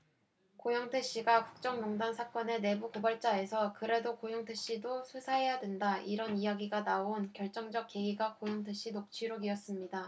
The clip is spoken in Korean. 고영태 씨가 국정농단 사건의 내부 고발자에서 그래도 고영태 씨도 수사해야 된다 이런 이야기가 나온 결정적인 계기가 고영태 씨 녹취록이었습니다